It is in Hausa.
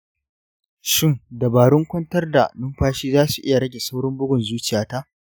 shin dabarun kwantar da numfashi za su iya rage saurin bugun zuciyata?